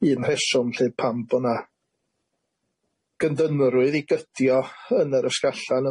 un rheswm lly pam bo 'na gyndynrwydd i gydio yn yr ysgallan